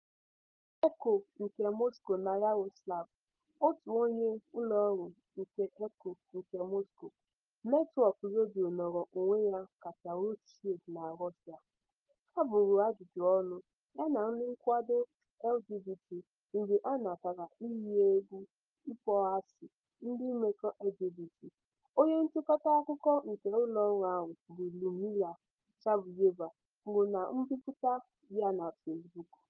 Echo nke Moscow na Yaroslavl, òtù onye ụlọọrụ nke Echo nke Moscow, netwọk redio nọọrọ onwe ya kacha ochie na Russia, kagburu ajụjụọnụ ya na ndị nkwado LGBT mgbe ha natara iyi egwu ịkpọasị ndị mmekọ LGBT, onye nchịkọta akụkọ nke ụlọọrụ ahụ bụ Lyudmila Shabuyeva kwuru na mbipụta ya na Facebook: